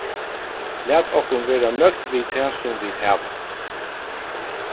lat okkum vera nøgd við tað sum vit hava